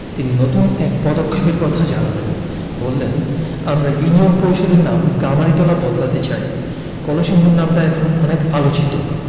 তিনি নতুন এক পদক্ষেপের কথা জানালেন বললেন আমরা ইউনিয়ন পরিষদের নাম গামারিতলা বদলাতে চাই কলসিন্দুর নামটা এখন অনেক আলোচিত